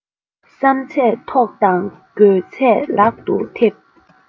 བསམ ཚད ཐོག དང དགོས ཚད ལག ཏུ ཐེབས